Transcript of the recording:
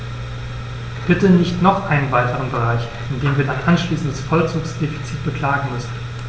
Bitte nicht noch einen weiteren Bereich, in dem wir dann anschließend das Vollzugsdefizit beklagen müssen.